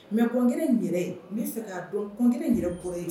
Mɛ kɔnɔnkɛ yɛrɛ n bɛ se ka dɔnɔnkɛ yɛrɛ ko ye